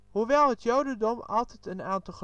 Hoewel het jodendom altijd een aantal